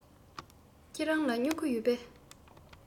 ཁྱེད རང ལ སྨྱུ གུ ཡོད པས